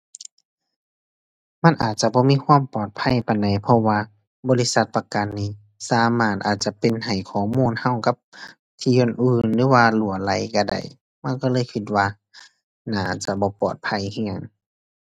มันอาจจะบ่มีความปลอดภัยปานใด เพราะว่าบริษัทประกันนี่สามารถอาจจะเป็น ให้ข้อมูลเรากับที่อื่นอื่นหรือว่ารั่วไหลเราได้ มันเราเลยเราว่าน่าจะบ่ปลอดภัยเรา